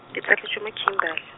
ke tsaletswe mo Kimberley.